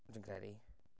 Dwi'n credu.